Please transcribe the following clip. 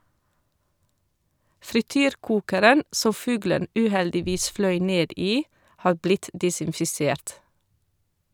Frityrkokeren som fuglen uheldigvis fløy ned i har blitt desinfisert.